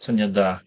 Syniad dda.